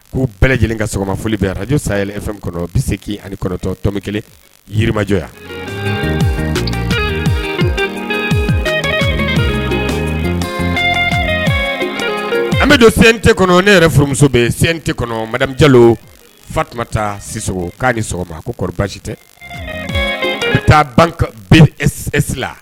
Ko bɛɛ lajɛlen ka sɔgɔma foli bɛ araj saya kɔnɔ bɛ se k' ani kɔrɔtɔ tomi kelen yirimajɔ yan an bɛ don sen tɛ kɔnɔ ne yɛrɛ furumuso bɛ sen tɛ kɔnɔ jalo fa tun taa si k'a ni sɔgɔma a ko basi tɛ bɛ taa ban bere la